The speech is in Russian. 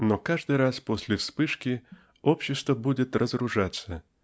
Но каждый раз после вспышки общество будет разоружаться